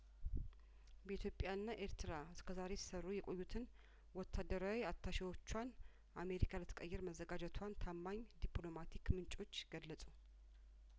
በኢትዮጵያ ና ኤርትራ እስከዛሬ ሲሰሩ የቆዩትን ወታደራዊ አታሼዎቿን አሜሪካ ልትቀይር መዘጋጀቷን ታማኝ ዲፕሎማቲክ ምንጮች ገለጹ